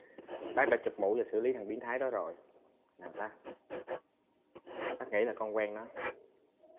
bác đã chụp mũ và xử lý thằng biến thái đó rồi nè bác bác nghĩ là con quen nó ơ hơ